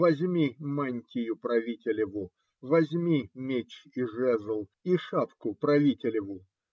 - Возьми мантию правителеву, возьми меч и жезл и шапку правителеву.